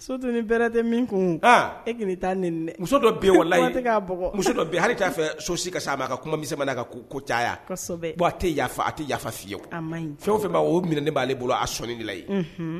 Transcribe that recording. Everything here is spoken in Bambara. Sot ni bɛrɛ tɛ min kun e kɔni taa ni muso dɔ bɛ o la tɛ bɔ muso dɔ hali k'a fɛ sosi ka a b'a ka kumamisa ko ko caya a tɛ yaa a tɛ yaa yafafa fiye fɛn fɛ b'a o minɛen b'ale bolo a sɔɔni de layi